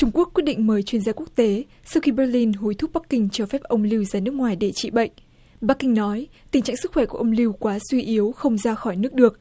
trung quốc quyết định mời chuyên gia quốc tế sau khi bơ lin hối thúc bắc kinh cho phép ông lưu ra nước ngoài để trị bệnh bắc kinh nói tình trạng sức khỏe của ông lưu quá suy yếu không ra khỏi nước được